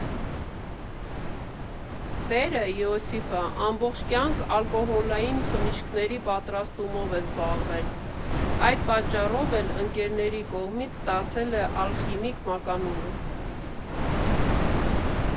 Տերը՝ Իոսիֆը, ամբողջ կյանք ալկոհոլային խմիչքների պատրաստումով է զբաղվել, այդ պատճառով էլ ընկերների կողմից ստացել է «Ալխիմիկ» մականունը։